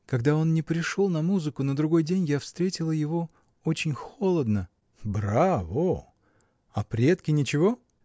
когда он не пришел на музыку, на другой день я встретила его очень холодно. — Браво! а предки ничего?